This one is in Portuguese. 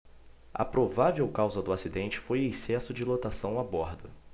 a provável causa do acidente foi excesso de lotação a bordo